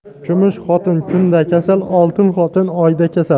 kumush xotin kunda kasal oltin xotin oyda kasal